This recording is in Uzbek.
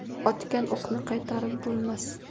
otgan o'qni qaytarib bo'lmas